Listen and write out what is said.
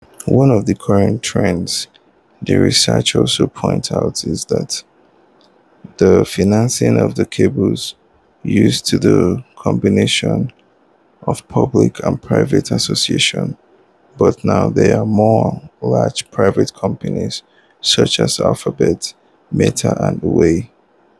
One of the current trends the researcher also points out is that the financing of the cables used to be a combination of public and private associations, but now there are more large private companies such as Alphabet, Meta and Huawei.